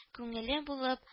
Күңеле булып